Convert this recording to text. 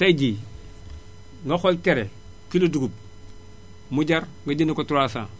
tay jii nga xoole cere kilo dugub mu jar nga jëndee ko trois cent